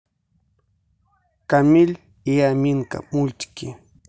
камиль и аминка мультики